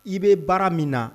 I bɛ baara min na